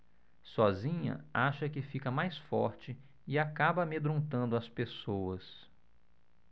sozinha acha que fica mais forte e acaba amedrontando as pessoas